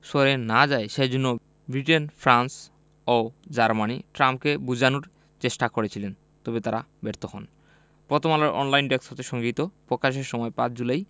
সরে না যায় সে জন্য ব্রিটেন ফ্রান্স ও জার্মানি ট্রাম্পকে বোঝানোর চেষ্টা করছিলেন তবে তারা ব্যর্থ হয় প্রথমআলোর অনলাইন ডেস্ক হতে সংগৃহীত প্রকাশের সময় ৫ জুলাই